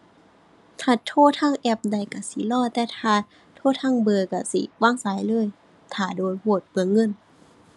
ถ้าโทรทางแอปได้ก็สิรอ แต่ถ้าโทรทางเบอร์ก็สิวางสายเลย ท่าโดนโพด เปลืองเงิน